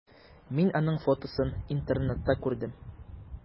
Мин аның фотосын интернетта күрдем.